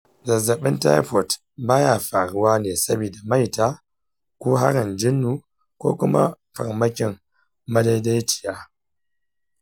zazzabin taifot ba ya faruwa ne saboda maita ko harrin jinnu ko kuma farmakin madaidaiciya.